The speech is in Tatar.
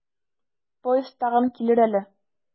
Поезд тагын килер әле.